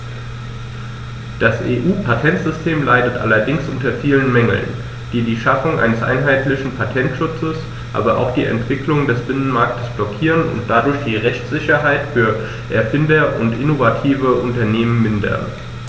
Das EU-Patentsystem leidet allerdings unter vielen Mängeln, die die Schaffung eines einheitlichen Patentschutzes, aber auch die Entwicklung des Binnenmarktes blockieren und dadurch die Rechtssicherheit für Erfinder und innovative Unternehmen mindern.